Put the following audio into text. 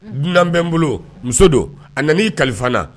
Dunan bɛ n bolo muso don a nan' kalifa